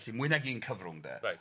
'Lly mwy nag un cyfrwng 'de... Reit...